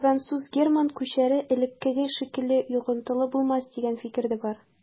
Француз-герман күчәре элеккеге шикелле йогынтылы булмас дигән фикер дә бар.